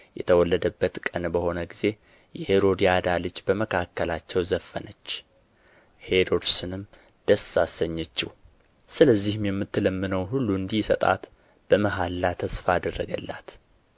የተወለደበት ቀን በሆነ ጊዜ የሄሮድያዳ ልጅ በመካከላቸው ዘፈነች ሄሮድስንም ደስ አሰኘችው ስለዚህም የምትለምነውን ሁሉ እንዲሰጣት በመሐላ ተስፋ አደረገላት